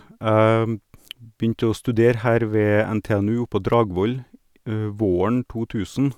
Jeg begynte å studere her ved NTNU oppå Dragvoll våren to tusen.